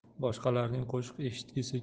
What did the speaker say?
boshqalarning qo'shiq eshitgisi